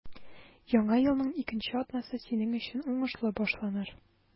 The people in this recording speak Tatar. Яңа елның икенче атнасы синең өчен уңышлы башланыр.